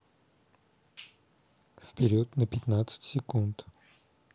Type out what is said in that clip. вперед на пятнадцать секунд